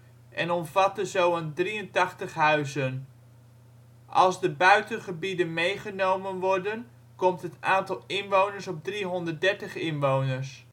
en omvatte zo een 83 huizen. Als de buitengebieden meegenomen worden komt het aantal inwoners op ongeveer 330 inwoners